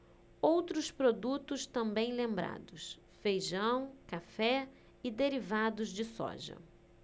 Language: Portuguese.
outros produtos também lembrados feijão café e derivados de soja